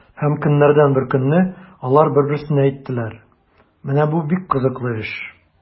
Һәм көннәрдән бер көнне алар бер-берсенә әйттеләр: “Менә бу бик кызыклы эш!”